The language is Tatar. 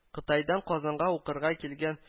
Кытайдан Казанга укырга килгән